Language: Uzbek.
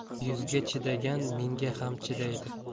yuzga chidagan mingga ham chidaydi